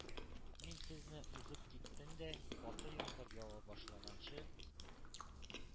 Мин сезне узып киттем дә, каты яңгыр ява башлаганчы,